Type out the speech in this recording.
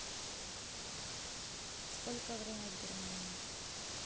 сколько время в германии